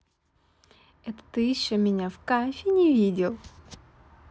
это ты еще меня в кайфе не видел